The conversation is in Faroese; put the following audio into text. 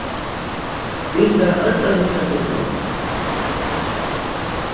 vit fara øll at hittast í kvøld